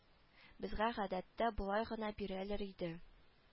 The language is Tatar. Безгә гадәттә болай гына бирәләр иде